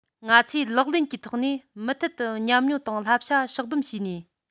ང ཚོས ལག ལེན གྱི ཐོག ནས མུ མཐུད དུ ཉམས མྱོང དང བསླབ བྱ ཕྱོགས སྡོམ བྱས ནས